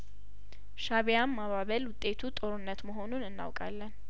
ሻእቢያን ማባበል ውጤቱ ጦርነት መሆኑን እናውቃለን